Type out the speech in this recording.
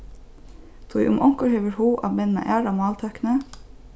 tí um onkur hevur hug at menna aðra máltøkni